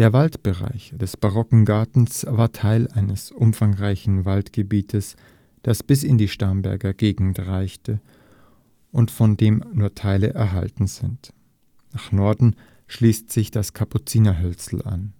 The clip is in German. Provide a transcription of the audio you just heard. Waldbereich des barocken Gartens war Teil eines umfangreichen Waldgebietes, das bis in die Starnberger Gegend reichte und von dem nur Teile erhalten sind. Nach Norden schließt sich das Kapuzinerhölzl an